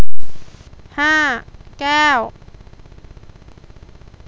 ห้าแก้ว